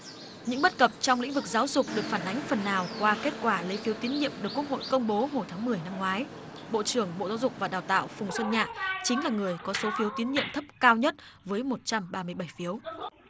những bất cập trong lĩnh vực giáo dục được phản ánh phần nào qua kết quả lấy phiếu tín nhiệm được quốc hội công bố hồi tháng mười năm ngoái bộ trưởng bộ giáo dục và đào tạo phùng xuân nhạ chính là người có số phiếu tín nhiệm thấp cao nhất với một trăm ba mươi bảy phiếu